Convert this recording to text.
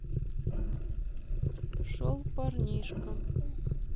шел парнишка